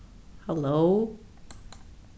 halló